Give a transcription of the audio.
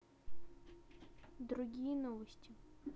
другие новости